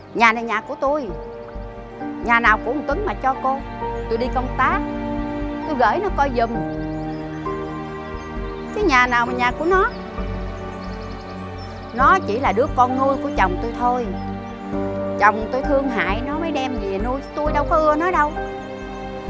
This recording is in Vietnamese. nhà này nhà của tôi nhà nào của thằng tuấn mà cho cô tôi đi công tác tôi gởi nó coi giùm chứ nhà nào mà nhà của nó nó chỉ là đứa con nuôi của chồng tui thôi chồng tôi thương hại nó mới đem về nuôi tui nó đâu có ưa nó đâu